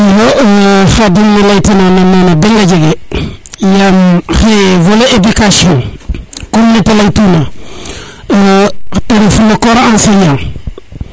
iyo Khadim ne ley ta nona nene donga jege yaam xaye volet éducation comme nete ley tuna te ref no corps enseignant